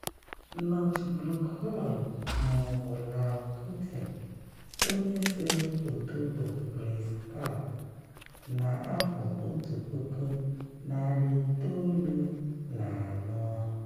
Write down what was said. Northbrook Hall ma ọ bụ Lal Kuthi - onye sere foto bụ Fritz Kapp na 1904.